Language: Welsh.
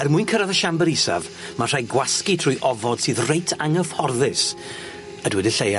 Er mwyn cyrradd y siambr isaf ma' rhaid gwasgu trwy ofod sydd reit anghyfforddus a dweud y lleia.